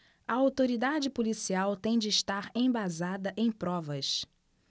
a autoridade policial tem de estar embasada em provas